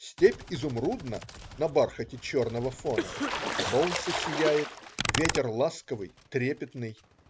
Степь изумрудна - на бархате черного фона. Солнце сияет. Ветер ласковый, трепетный.